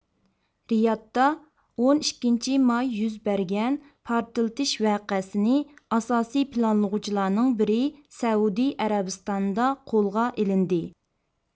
رىيادتا ئون ئىككىنچى ماي يۈز بەرگەن پارتلىتىش ۋەقەسىنى ئاساسىي پىلانلىغۇچىلارنىڭ بىرى سەئۇدى ئەرەبىستانىدا قولغا ئېلىندى